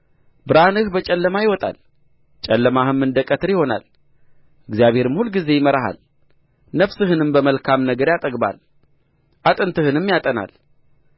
ብርሃንህ በጨለማ ይወጣል ጨለማህም እንደ ቀትር ይሆናል እግዚአብሔርም ሁልጊዜ ይመራሃል ነፍስህንም በመልካም ነገር ያጠግባል አጥንትህንም ያጠናል